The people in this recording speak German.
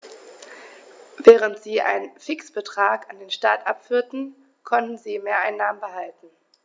Während sie einen Fixbetrag an den Staat abführten, konnten sie Mehreinnahmen behalten.